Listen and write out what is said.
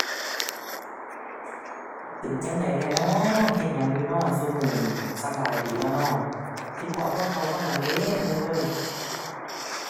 เป็นจั่งใดแหน่น้อ เฮ็ดหยังอยู่น้อซุมื้อนี้ สำบายดีบ่น้อ คิดพ้อความเก่าความหลังเด้หมู่เอ่ย